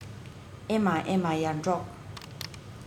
ཨེ མ ཨེ མ ཡར འབྲོག